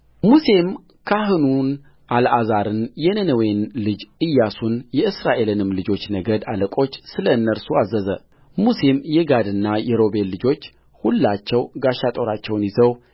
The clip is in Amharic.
ሙሴም ካህኑን አልዓዛርን የነዌንም ልጅ ኢያሱን የእስራኤልንም ልጆች ነገድ አለቆች ስለ እነርሱ አዘዘሙሴም የጋድና የሮቤል ልጆች ሁላቸው ጋሻ ጦራቸውን ይዘው